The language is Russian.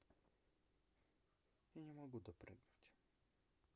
я не могу допрыгнуть